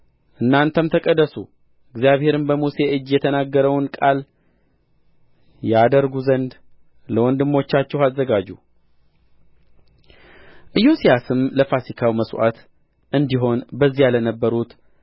እናንተም ተቀደሱ እግዚአብሔርም በሙሴ እጅ የተናገረውን ቃል ያደርጉ ዘንድ ለወንድሞቻችሁ አዘጋጁ ኢዮስያስም ለፋሲካው መሥዋዕት እንዲሆን በዚያ ለነበሩት